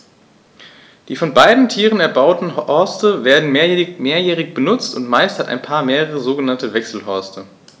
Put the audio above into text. Die von beiden Tieren erbauten Horste werden mehrjährig benutzt, und meist hat ein Paar mehrere sogenannte Wechselhorste.